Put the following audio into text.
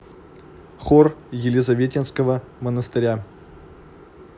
хор елизаветинского монастыря